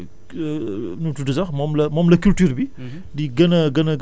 moom la nu mu tudd sax moom la moom la culture bi